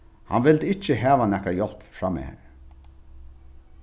hann vildi ikki hava nakra hjálp frá mær